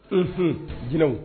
Unhun jinɛw.